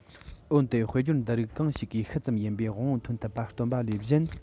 འོན ཏེ དཔེར བརྗོད འདི རིགས གང ཞིག གིས ཤུལ ཙམ ཡིན པའི དབང པོ ཐོན ཐུབ པ སྟོན པ ལས གཞན